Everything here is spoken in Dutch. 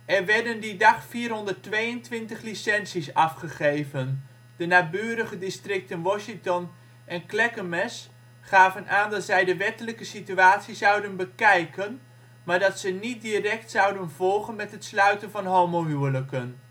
Er werden die dag 422 licenties afgegeven; de naburige districten Washington en Clackamas gaven aan dat zij de wettelijke situatie zouden bekijken, maar dat ze niet direct zouden volgen met het sluiten van homohuwelijken